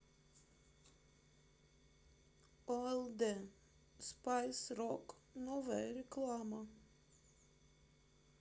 олд спайс рок новая реклама